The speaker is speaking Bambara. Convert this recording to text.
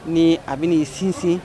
Ni a bɛ sinsin